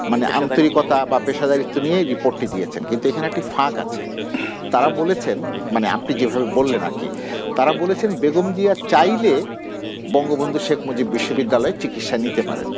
আন্তরিকতা বা পেশাদারিত্ব নিয়ে রিপোর্ট টি দিয়েছেন কিন্তু এখানে একটা ফাঁক আছে তারা বলেছেন মানে আপনি যেভাবে বললেন আর কি তারা বলেছেন বেগম জিয়া চাইলে বঙ্গবন্ধু শেখ মুজিব বিশ্ববিদ্যালয়ে চিকিৎসা নিতে পারেন